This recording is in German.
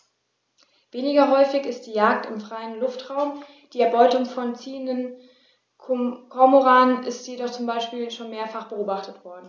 Weniger häufig ist die Jagd im freien Luftraum; die Erbeutung von ziehenden Kormoranen ist jedoch zum Beispiel schon mehrfach beobachtet worden.